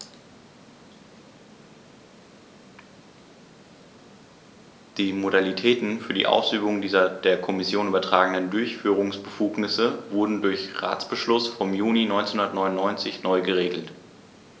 Die Modalitäten für die Ausübung dieser der Kommission übertragenen Durchführungsbefugnisse wurden durch Ratsbeschluss vom Juni 1999 neu geregelt.